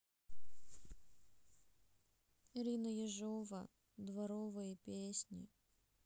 ирина ежова дворовые песни